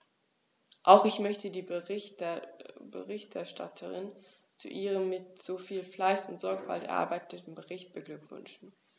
Auch ich möchte die Berichterstatterin zu ihrem mit so viel Fleiß und Sorgfalt erarbeiteten Bericht beglückwünschen.